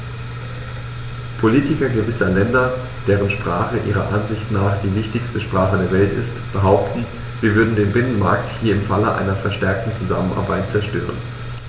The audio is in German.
Politiker gewisser Länder, deren Sprache ihrer Ansicht nach die wichtigste Sprache der Welt ist, behaupten, wir würden den Binnenmarkt hier im Falle einer verstärkten Zusammenarbeit zerstören.